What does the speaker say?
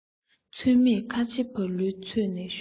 ཚོད མེད ཁ ཆེ ཕ ལུའི ཚོད ནས ཤོར